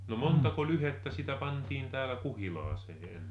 no montako lyhdettä sitä pantiin täällä kuhilaaseen ennen